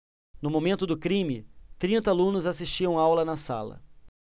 no momento do crime trinta alunos assistiam aula na sala